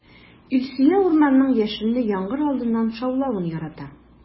Илсөя урманның яшенле яңгыр алдыннан шаулавын ярата.